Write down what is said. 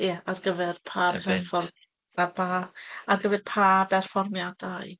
Ie, ar gyfer pa... event ...perfform- ar ba ar gyfer pa berfformiadau?